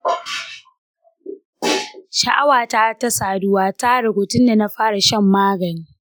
sha’awata ta saduwa ta ragu tun da na fara shan magani.